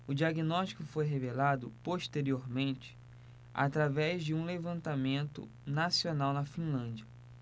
o diagnóstico foi revelado posteriormente através de um levantamento nacional na finlândia